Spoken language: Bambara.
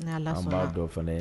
B'a dɔ fana ye